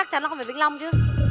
chắc chắn là không phải vĩnh long chứ